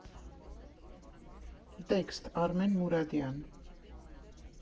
Տեքստ՝ Արմեն Մուրադյան։